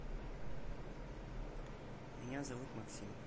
меня зовут максим